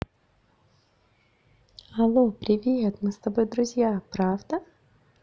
алло привет мы с тобой друзья правда